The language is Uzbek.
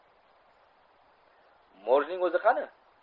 morjning o'zi qani